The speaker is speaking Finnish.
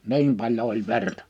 niin paljon oli verta